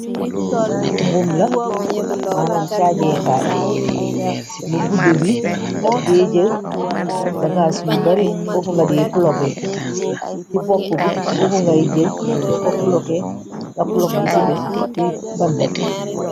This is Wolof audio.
Buum la, manam caajeekaay, bu gudde bi daf dee jël bagaas yu bari, fofu nga de ploge, ci bopp bi, boobu ngay jël so ko ploge, nga plog yi ci des ci banta bi.